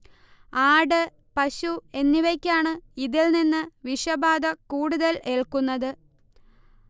ആട്, പശു എന്നിവയ്ക്കാണ് ഇതിൽ നിന്ന് വിഷബാധ കൂടുതൽ ഏൽക്കുന്നത്